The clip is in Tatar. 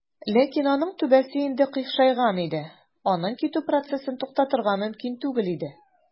Ләкин аның түбәсе инде "кыйшайган" иде, аның китү процессын туктатырга мөмкин түгел иде.